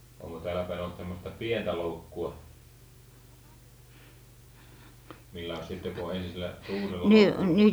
onko täällä päin ollut semmoista pientä loukkua millä olisi sitten kun on ensin sillä suurella loukulla